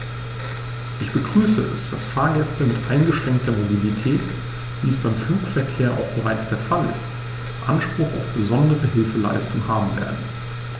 Ich begrüße es, dass Fahrgäste mit eingeschränkter Mobilität, wie es beim Flugverkehr auch bereits der Fall ist, Anspruch auf besondere Hilfeleistung haben werden.